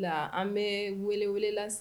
Nka an bɛ wele wele la